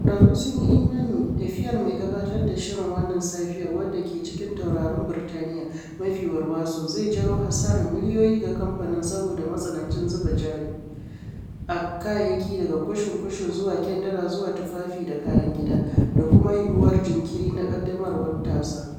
Ƙwararru sun yi imani tafiyar mai gabatar da shirin na Wannan Safiyar, wadda ke cikin taurarin Birtaniyya mafi warwaso, zai jawo hasarar miliyoyi ga kamfanin saboda matsanancin zuba jari a kayayyaki daga kushin-kushin zuwa kyandira zuwa tufafi da kayan gida, da kuma yiwuwar jinkiri na ƙaddamarwar tasa.